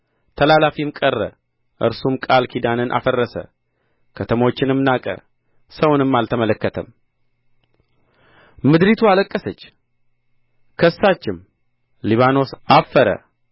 ተላላፊም ቀረ እርሱም ቃል ኪዳንን አፈረሰ ከተሞችንም ናቀ ሰውንም አልተመለከተም ምድሪቱ አለቀሰች ከሳችም ሊባኖስ አፈረ